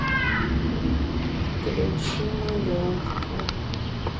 включи малявку